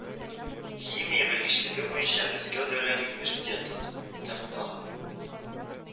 Химия белгечлеге буенча Мәскәү дәүләт университетын тәмамлаган